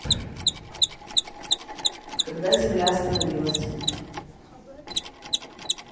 когда земля остановилась